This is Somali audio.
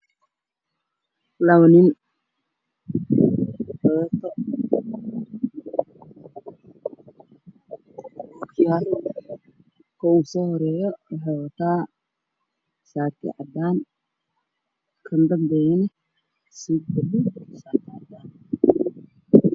Meeshan waxaa ka muuqda saddex nin labo nin waxay wataan ookiyaallo midna ma wato